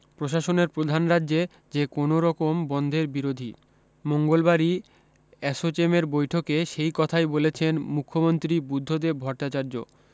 প্রশাসনের প্রধান রাজ্যে যে কোনও রকম বন্ধের বিরোধী মঙ্গলবারই অ্যাসোচেমের বৈঠকে সেই কথাই বলেছেন মুখ্যমন্ত্রী বুদ্ধদেব ভট্টাচার্য